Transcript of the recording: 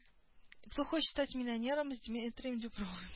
Кто хочет стать миллионером с дмитрием дибровым